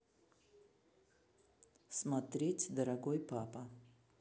смотреть дорогой папа